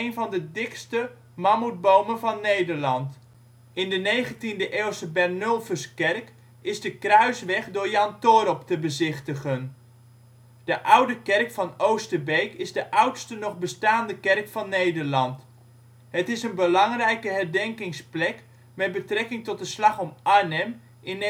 van de dikste mammoetboom van Nederland. In de 19e eeuwse Bernulphuskerk is de kruisweg door Jan Toorop te bezichtigen. De Oude Kerk van Oosterbeek is de oudste nog bestaande kerk van Nederland. Het is een belangrijke herdenkingsplek met betrekking tot de Slag om Arnhem in